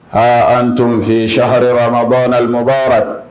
A an tun saharamabɔlilimabaa